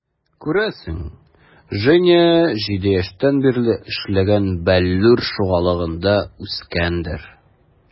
Күрәсең, Женя 7 яшьтән бирле эшләгән "Бәллүр" шугалагында үскәндер.